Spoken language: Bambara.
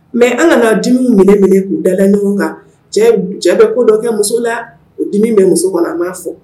Mais an ŋana dimiw minɛ minɛ k'h dada ɲɔgɔn kan cɛ b cɛ bɛ ko dɔ kɛ muso la o dimi bɛ muso kɔnɔ a m'a fɔ